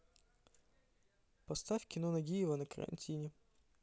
поставь кино нагиев на карантине